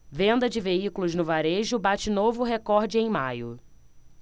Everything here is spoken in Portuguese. venda de veículos no varejo bate novo recorde em maio